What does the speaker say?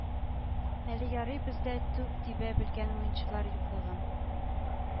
Әле ярый бездә туп тибә белгән уенчылар юклыгын